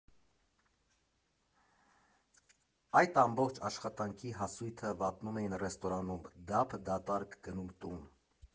Այդ ամբողջ աշխատանքի հասույթը վատնում էին ռեստորանում, դափ֊դատարկ գնում տուն։